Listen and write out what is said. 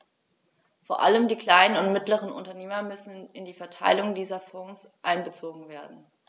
Vor allem die kleinen und mittleren Unternehmer müssen in die Verteilung dieser Fonds einbezogen werden.